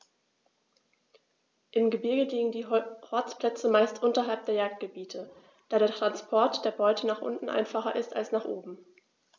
Im Gebirge liegen die Horstplätze meist unterhalb der Jagdgebiete, da der Transport der Beute nach unten einfacher ist als nach oben.